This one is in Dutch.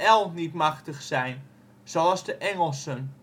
ll niet machtig zijn (zoals de Engelsen